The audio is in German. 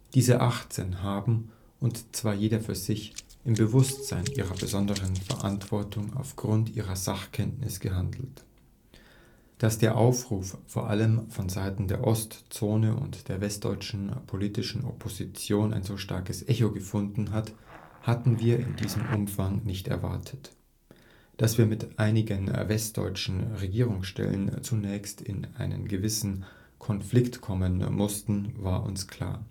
Diese Achtzehn haben, und zwar jeder für sich, im Bewusstsein ihrer besonderen Verantwortung auf Grund ihrer Sachkenntnis gehandelt. Dass der Aufruf vor allem von Seiten der Ostzone und der westdeutschen politischen Opposition ein so starkes Echo gefunden hat, hatten wir in diesem Umfang nicht erwartet. Dass wir mit einigen westdeutschen Regierungsstellen zunächst in einen gewissen Konflikt kommen mussten, war uns klar